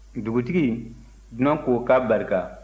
dugutigi dunan ko k'abarika